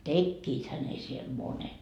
tekiväthän ne siellä monet